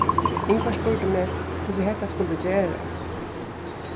ingvar spurdi meg hvussu hetta skuldi gerast